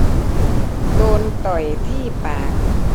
โดนต่อยที่ปาก